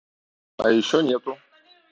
а еще нету